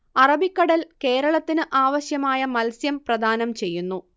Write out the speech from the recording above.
അറബിക്കടൽ കേരളത്തിന് ആവശ്യമായ മത്സ്യം പ്രദാനം ചെയ്യുന്നു